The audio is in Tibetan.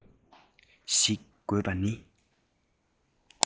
ཤིག དགོས པ ནི